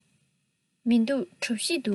མི འདུག གྲོ ཞིབ འདུག